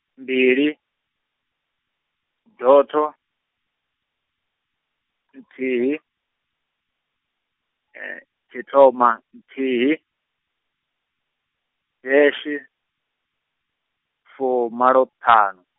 mbili, doto, nthihi, tshithoma nthihi, deshe, fumalo ṱhanu.